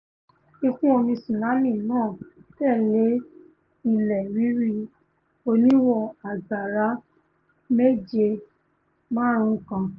Ìkún-omi tsunami náà tẹ̀lé ilẹ̀ rírì oníwọ̀n agbára 7.5 kan.